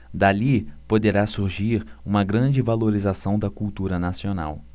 dali poderá surgir uma grande valorização da cultura nacional